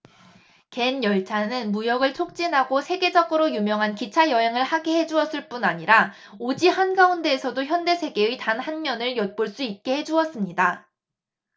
갠 열차는 무역을 촉진하고 세계적으로 유명한 기차 여행을 하게 해 주었을 뿐 아니라 오지 한가운데에서도 현대 세계의 한 단면을 엿볼 수 있게 해 주었습니다